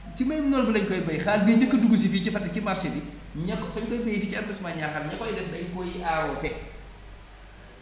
ci mbayum noor bi lañ koy bay xaal biy njëkk a duggu si fii ci Fatick ci marché bi ña ko fañ koy bayee ci arrondissement Niakhane ña koy def dañ koy arrosé